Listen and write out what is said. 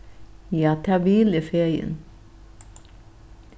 ja tað vil eg fegin